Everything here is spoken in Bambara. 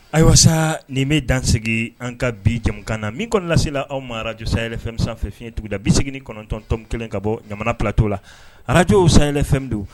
Ayiwa nin bɛ danse an ka bi jamana na min kɔnɔna lasesila aw mara araj sayayɛlɛfɛn sanfɛfiyetigɛda bin segin kɔnɔntɔntɔn kelen ka bɔ ɲa palatɔo la araj o sayayɛlɛfɛn don